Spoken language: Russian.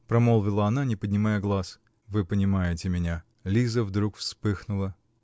-- промолвила она, не поднимая глаз. -- Вы понимаете меня. Лиза вдруг вспыхнула.